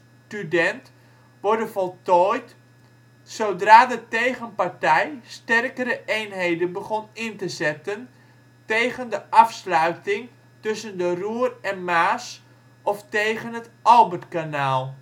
Student ' worden voltooid zodra de tegenpartij sterkere eenheden begon in te zetten tegen de afsluiting tussen de Roer en Maas of tegen het Albertkanaal